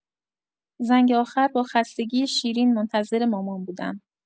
زنگ آخر با خستگی شیرین منتظر مامان بودم.